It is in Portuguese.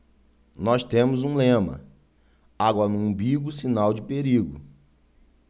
nós temos um lema água no umbigo sinal de perigo